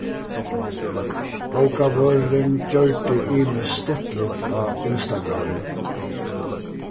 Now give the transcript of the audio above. bókavørðurin gjørdi ymiskt stuttligt á instagram